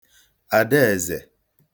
Àdaèzè